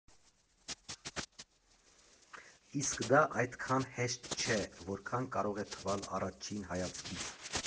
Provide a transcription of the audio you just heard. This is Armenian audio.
Իսկ դա այդքան հեշտ չէ, որքան կարող է թվալ առաջին հայացքից։